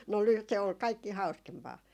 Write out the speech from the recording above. no - se oli kaikki hauskempaa